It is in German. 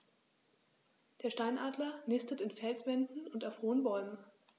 Der Steinadler nistet in Felswänden und auf hohen Bäumen.